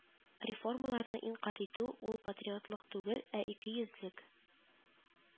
Реформаларны инкарь итү ул патриотлык түгел, ә икейөзлек